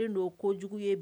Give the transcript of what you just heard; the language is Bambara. O don o ko jugu ye